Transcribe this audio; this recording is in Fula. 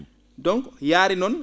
donc yaari noon